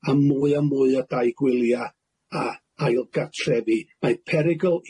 a mwy a mwy o dai gwylia' a ail gartrefi, mae perygyl